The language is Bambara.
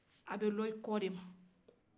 a bɛ lɔ i kɔ de ma